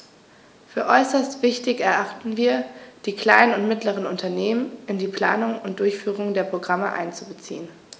Für äußerst wichtig erachten wir, die kleinen und mittleren Unternehmen in die Planung und Durchführung der Programme einzubeziehen.